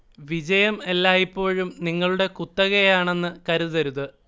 വിജയം എല്ലായിപ്പോഴും നിങ്ങളുടെ കുത്തകയാണെന്ന് കരുതരുത്